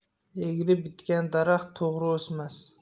egri bitgan daraxt to'g'ri o'smas